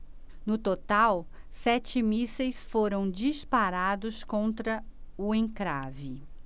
no total sete mísseis foram disparados contra o encrave